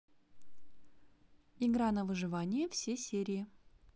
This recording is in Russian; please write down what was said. игра на выживание все серии